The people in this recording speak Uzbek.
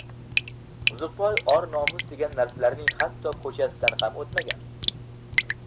uzuqboy or nomus degan narsalarning hatto ko'chasidan ham o'tmagan